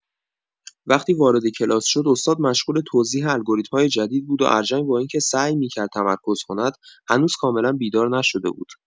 وقتی وارد کلاس شد، استاد مشغول توضیح الگوریتم‌های جدید بود و ارژنگ با اینکه سعی می‌کرد تمرکز کند، هنوز کاملا بیدار نشده بود.